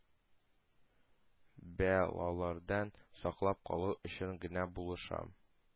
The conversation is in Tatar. Бәлаләрдән саклап калу өчен генә булышам.